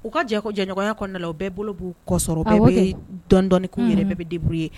U ka jɛko jɛɲɔgɔnya kɔnɔna na u bɛɛ bolo b'u kɔsɔ. Bɛɛ bɛ dɔɔnidɔɔni kɛ bɛ b'i debrouiller ye